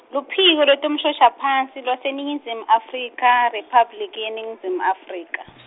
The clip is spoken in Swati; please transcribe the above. Luphiko lweTemshoshaphasi lwaseNingizimu Afrika IRiphabliki yeNingizimu Afrika .